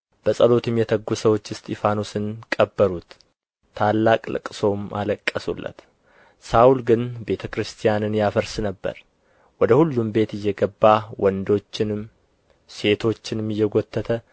በጸሎትም የተጉ ሰዎች እስጢፋኖስን ቀበሩት ታላቅ ልቅሶም አለቀሱለት ሳውል ግን ቤተ ክርስቲያንን ያፈርስ ነበር ወደ ሁሉም ቤት እየገባ ወንዶችንም ሴቶችንም እየጐተተ